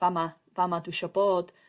fama fama dwi isio bod.